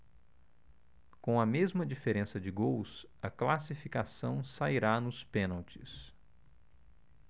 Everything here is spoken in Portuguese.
com a mesma diferença de gols a classificação sairá nos pênaltis